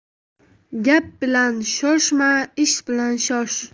gap bilan shoshma ish bilan shosh